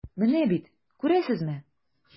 Менә бит, күрәсезме.